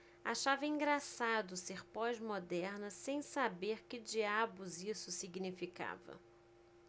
achava engraçado ser pós-moderna sem saber que diabos isso significava